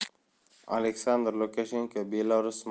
aleksandr lukashenko belarus